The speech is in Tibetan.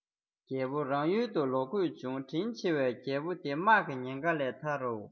རྒྱལ པོ ཁོ རང ཡུལ དུ ལོག དགོས བྱུང དྲིན ཆི བའི རྒྱལ པོ དེ དམག གི ཉེན ཁ ལས ཐར རོ